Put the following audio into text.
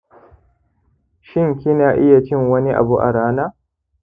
shin kina iya cin wani abu a rana?